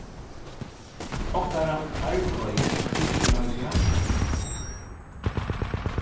okkara arbeiði byggir á gransking